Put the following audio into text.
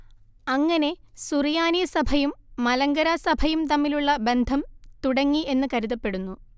അങ്ങനെ സുറിയാനി സഭയും മലങ്കര സഭയും തമ്മിലുള്ള ബന്ധം തുടങ്ങി എന്ന് കരുതപ്പെടുന്നു